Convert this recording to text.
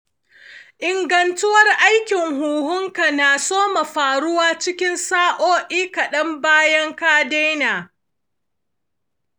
ingantuwar aikin huhunka na soma faruwa cikin sa’o’i kaɗan bayan ka daina.